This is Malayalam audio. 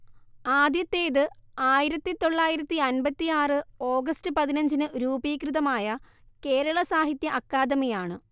ആദ്യത്തേത് ആയിരത്തി തൊള്ളായിരത്തിയമ്പത്തിയാറ് ഓഗസ്റ്റ് പതിനഞ്ച്നു രൂപീകൃതമായ കേരള സാഹിത്യ അക്കാദമി യാണ്